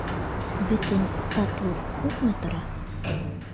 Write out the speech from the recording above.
Бөтен тату күпме тора?